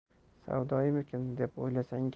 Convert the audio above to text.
savdoyimikin deb o'ylasang